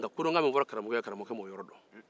kodɔnkan min fɔra karamɔgɔ ye karamɔgɔkɛ m'o yɔrɔ faamu